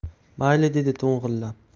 mayli dedi to'ng'illab